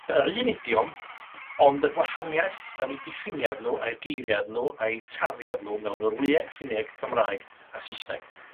Yr un idiom, ond y gwahaniaeth yn 'u diffiniad nw a'u geiriad nw a'u tarddiad nw mewn Norwyeg Ffinneg Cymraeg a Sysneg.